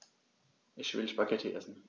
Ich will Spaghetti essen.